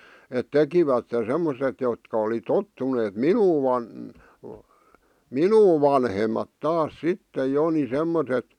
että tekivät semmoiset jotka oli tottuneet minua - minua vanhemmat taas sitten jo niin semmoiset